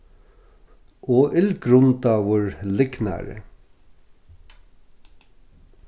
og illgrundaður lygnari